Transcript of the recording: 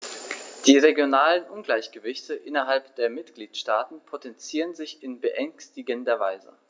Die regionalen Ungleichgewichte innerhalb der Mitgliedstaaten potenzieren sich in beängstigender Weise.